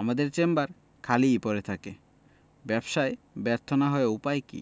আমাদের চেম্বার খালিই পড়ে থাকে ব্যবসায় ব্যর্থ না হয়ে উপায় কী